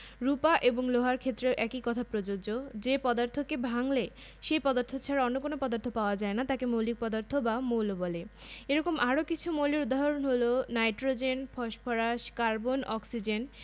১৭ কৃষি বিজ্ঞান ফসল চাষ পদ্ধতি আমরা অষ্টম শ্রেণিতে চাষ উপযোগী ফসলের মধ্যে কেবল গম ফসল চাষ পদ্ধতি সম্পর্কে জেনেছি